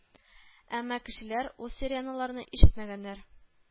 Әмма кешеләр ул сиреналарны ишетмәгәннәр